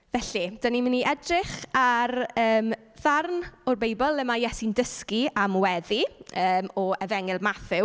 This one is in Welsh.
Felly, dan ni'n mynd i edrych ar, yym, ddarn o'r Beibl le ma' Iesu'n dysgu am weddi, yym, o Efengyl Mathew.